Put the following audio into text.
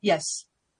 Yes.